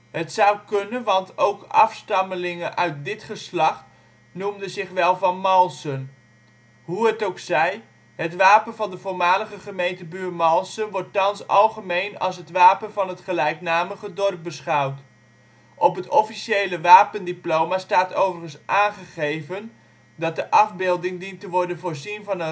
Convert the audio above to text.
Het zou kunnen want ook afstammelingen uit dit geslacht noemden zich wel Van Malsen. Hoe het ook zij, het wapen van de voormalige gemeente Buurmalsen wordt thans algemeen als het wapen van het gelijknamige dorp beschouwd. Op het officiële wapendiploma staat overigens aangegeven, dat de afbeelding dient te worden voorzien van